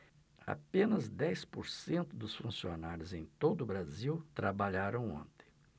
apenas dez por cento dos funcionários em todo brasil trabalharam ontem